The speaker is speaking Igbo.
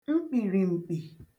mkpìrìm̀kpì